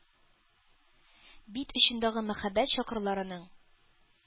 Бит очындагы “мәхәббәт чокырлары”ның